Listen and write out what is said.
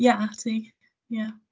Ie, a ti. Ie.